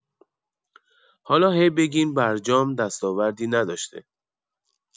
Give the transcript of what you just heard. حالا هی بگین برجام دستاوردی نداشته